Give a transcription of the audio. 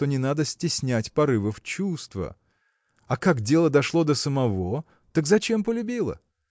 что не надо стеснять порывов чувства а как дело дошло до самого так зачем полюбила!